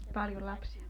paljon lapsia